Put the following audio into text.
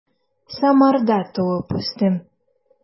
Самарда туып үстем.